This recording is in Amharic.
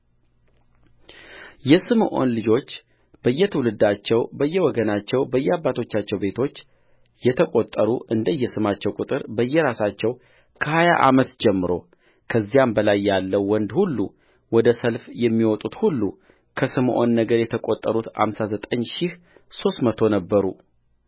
የስምዖን ልጆች በየትውልዳቸው በየወገናቸው በየአባቶቻቸው ቤቶች የተቈጠሩ እንደየስማቸው ቍጥር በየራሳቸው ከሀያ ዓመት ጀምሮ ከዚያም በላይ ያለው ወንድ ሁሉ ወደ ሰልፍ የሚወጡት ሁሉከስምዖን ነገድ የተቈጠሩት አምሳ ዘጠኝ ሺህ ሦስት መቶ ነበሩ